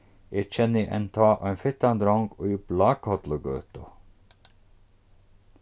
eg kenni enntá ein fittan drong í blákollugøtu